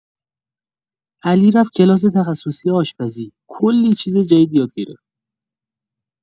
علی رفت کلاس تخصصی آشپزی، کلی چیز جدید یاد گرفت.